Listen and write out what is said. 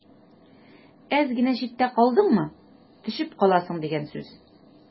Әз генә читтә калдыңмы – төшеп каласың дигән сүз.